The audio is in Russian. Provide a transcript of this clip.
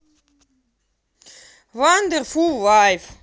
вандефул лайф